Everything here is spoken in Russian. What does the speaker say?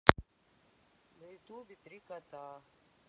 на ютубе три кота